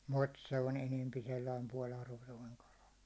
mutta se on enempi sellainen puoli arvoton kala